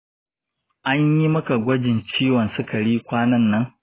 an yi maka gwajin ciwon sukari kwanan nan?